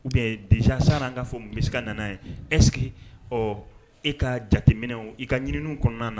ou bien dejà sani an k'a fɔ k'u bɛ se ka na n'a ye, est ce que oh, e ka jateminɛw n'i ka ɲinini kɔnɔna na